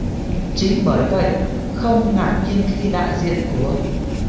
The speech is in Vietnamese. chính bởi vậy không ngạc nhiên khi đại diện của